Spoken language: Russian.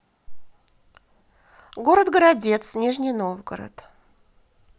город городец нижний новгород